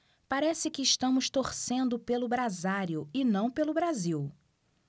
parece que estamos torcendo pelo brasário e não pelo brasil